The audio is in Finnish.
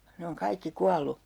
ne on kaikki kuollut